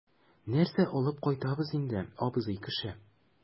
Нәрсә алып кайтабыз инде, абзый кеше?